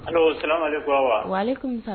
Ala sira makura wa